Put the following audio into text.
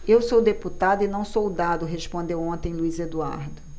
eu sou deputado e não soldado respondeu ontem luís eduardo